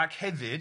Ac hefyd.